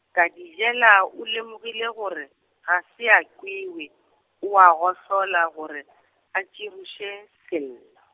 Kadijela o lemogile gore, ga se a kwewe, oa gohlola gore , a tširoše, Sello.